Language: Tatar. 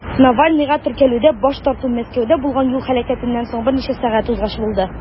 Навальныйга теркәлүдә баш тарту Мәскәүдә булган юл һәлакәтеннән соң берничә сәгать узгач булды.